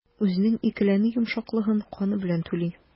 Үзенең икеләнү йомшаклыгын каны белән түли.